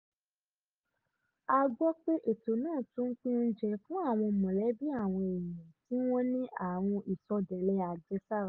A gbọ́ pé ètò náà tún ń pín oúnjẹ fún àwọn mọ̀lẹ́bí àwọn èèyàn tí wọ́n ní Ààrùn Ìsọdọ̀lẹ Àjẹsára.